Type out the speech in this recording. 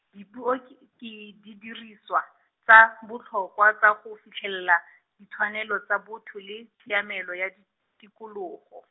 dipuo k- e- ke didiriswa, tsa, botlhokwa tsa go fitlhelela, ditshwanelo tsa botho le, tshiamelo ya, ti- tikologo.